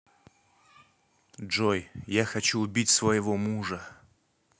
джой я хочу убить своего мужа